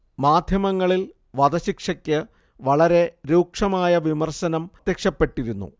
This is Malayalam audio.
മാദ്ധ്യമങ്ങളിൽ വധശിക്ഷയ്ക്ക് വളരെ രൂക്ഷമായ വിമർശനം പ്രത്യക്ഷപ്പെട്ടിരുന്നു